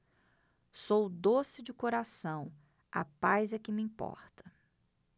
sou doce de coração a paz é que me importa